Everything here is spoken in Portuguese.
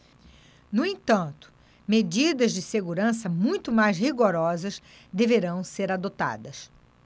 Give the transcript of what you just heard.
no entanto medidas de segurança muito mais rigorosas deverão ser adotadas